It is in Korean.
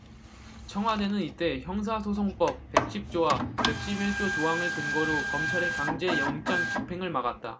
청와대는 이때 형사소송법 백 십 조와 백 십 일 조 조항을 근거로 검찰의 강제 영장집행을 막았다